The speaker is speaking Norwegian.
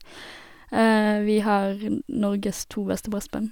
Vi har n Norges to beste brassband.